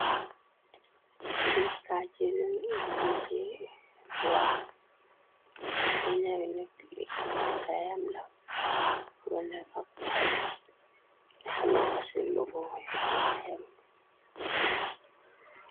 Lig kajen bi je roig benayu nekk liggi kayam laf monan abbaju di xameko selubo ligki kayam.